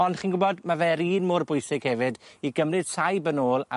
ond chi'n gwbod ma' fe'r un mor bwysig hefyd i gymryd saib yn ôl a